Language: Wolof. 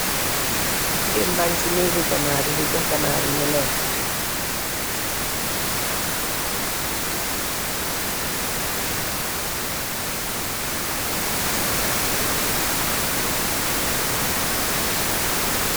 Gigeen bangi ci nehgi ganarr yi jox ganarr yi ñu lekka.